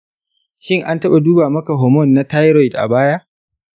shin an taɓa duba maka hormone na thyroid a baya?